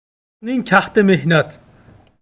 yutuqning kahti mehnat